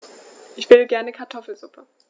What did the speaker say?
Ich will gerne Kartoffelsuppe.